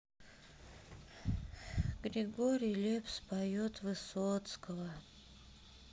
григорий лепс поет высоцкого